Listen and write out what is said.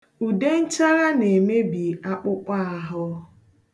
Ude nchagha na-emebi akpụkpọahụ.